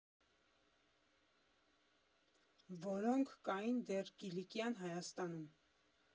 Որոնք կային դեռ Կիլիկյան Հայաստանում։